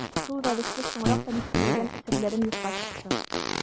Шул рәвешле соңрак та дистәләгән әсәрләрем юкка чыкты.